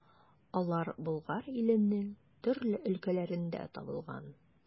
Алар Болгар иленең төрле өлкәләрендә табылган.